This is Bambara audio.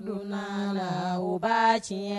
Donna ba tiɲɛ